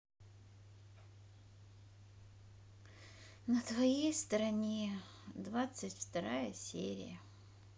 на твоей стороне двадцать вторая серия